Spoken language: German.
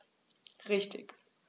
Richtig